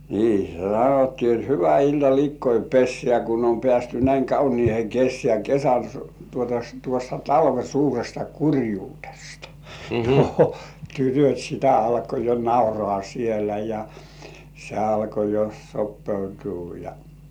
niin se sanottiin jotta hyvä ilta likkojen pesään kun on päästy näin kauniiseen kesään kesän - tuota tuosta talven suuresta kurjuudesta tytöt sitä alkoi jo nauraa siellä ja se alkoi jo sopeutua ja